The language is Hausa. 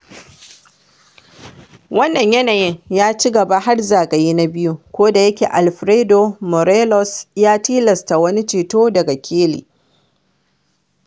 Wannan yanayi ya ci gaba har zagaye na biyu, kodayake Alfredo Morelos ya tilasta wani ceto daga Kelly.